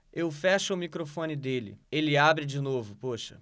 eu fecho o microfone dele ele abre de novo poxa